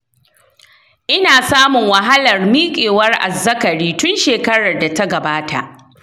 ina samun wahalar miƙewar azzakari tun shekarar da ta gabata.